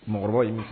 Mɔgɔbɔ i ma